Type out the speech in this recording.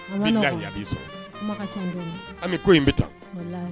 N' yadi sɔrɔ an ko in bɛ taa